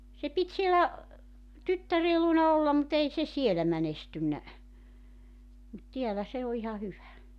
se piti siellä tyttären luona olla mutta ei se siellä menestynyt mutta täällä se on ihan hyvä